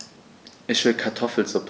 Ich will Kartoffelsuppe.